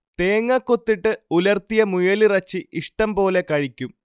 തേങ്ങക്കൊത്തിട്ട് ഉലർത്തിയ മുയലിറച്ചി ഇഷ്ടം പോലെ കഴിക്കും